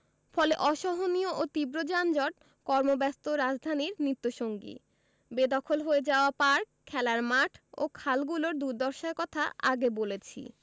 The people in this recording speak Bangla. ফলে অসহনীয় ও তীব্র যানজট কর্মব্যস্ত রাজধানীর নিত্যসঙ্গী বেদখল হয়ে যাওয়া পার্ক খেলার মাঠ ও খালগুলোর দুর্দশার কথা আগে বলেছি